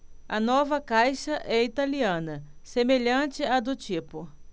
a nova caixa é italiana semelhante à do tipo